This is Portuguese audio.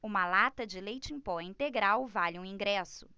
uma lata de leite em pó integral vale um ingresso